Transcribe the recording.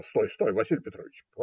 - Стой, стой, Василий Петрович!